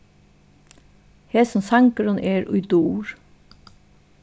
hesin sangurin er í dur